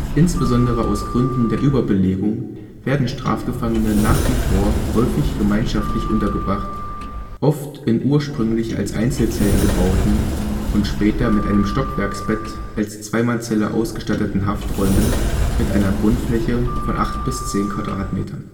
Insbesondere aus Gründen der Überbelegung werden Strafgefangene nach wie vor häufig gemeinschaftlich untergebracht, oft in ursprünglich als Einzelzellen gebauten und später mit einem Stockwerksbett als Zweimannzelle ausgestatteten Hafträumen mit einer Grundfläche von acht bis zehn Quadratmetern